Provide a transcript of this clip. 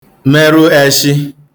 merụ ēshị̄